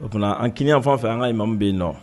O tuma an'i anfan fɛ an ka ɲuman bɛ yen nɔ